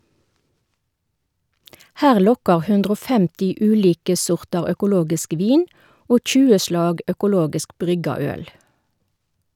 Her lokkar 150 ulike sortar økologisk vin og 20 slag økologisk brygga øl.